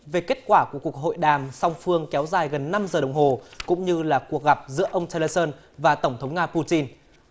về kết quả của cuộc hội đàm song phương kéo dài gần năm giờ đồng hồ cũng như là cuộc gặp giữa ông the le sơn và tổng thống nga pu trin